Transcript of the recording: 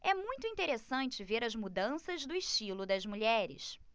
é muito interessante ver as mudanças do estilo das mulheres